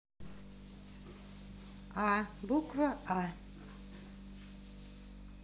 а буква а